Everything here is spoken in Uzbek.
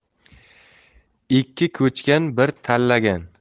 ikki ko'chgan bir talangan